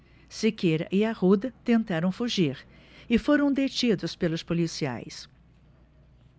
siqueira e arruda tentaram fugir e foram detidos pelos policiais